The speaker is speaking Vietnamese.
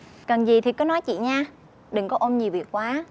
cần gì thì cứ nói chị nha đừng có ôm nhiều việc quá